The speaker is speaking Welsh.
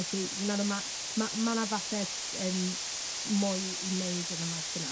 Felly, fi'n meddwl ma' ma' ma' 'na falle yym mwy i neud yn y maes yna.